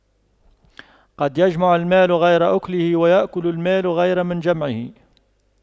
قد يجمع المال غير آكله ويأكل المال غير من جمعه